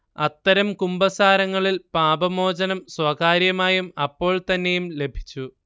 അത്തരം കുമ്പസാരങ്ങളിൽ പാപമോചനം സ്വകാര്യമായും അപ്പോൾത്തന്നെയും ലഭിച്ചു